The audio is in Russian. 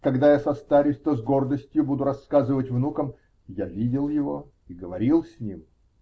Когда я состарюсь, то с гордостью буду рассказывать внукам: "Я видел его и говорил с ним".